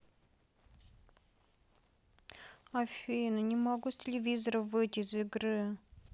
афина не могу с телевизора выйти из игры